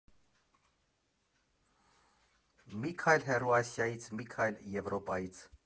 Մի քայլ հեռու Ասիայից, մի քայլ՝ Եվրոպայից։